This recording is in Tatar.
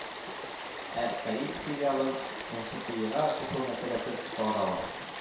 Ә каи филиалын нхтига кушу мәсьәләсе карала,